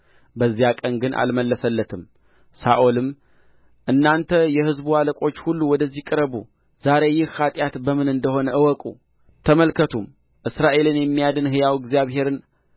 በዚያ ቀን ግን አልመለሰለትም ሳኦልም እናንተ የሕዝቡ አለቆች ሁሉ ወደዚህ ቅረቡ ዛሬ ይህ ኃጢአት በምን እንደ ሆነ እወቁ ተመልከቱም እስራኤልን የሚያድን ሕያው እግዚአብሔርን